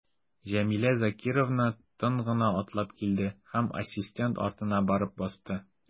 Җәмилә Закировна тын гына атлап килде һәм ассистент артына барып басты.